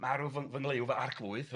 Marw fy ng- fy nglyw, fy arglwydd.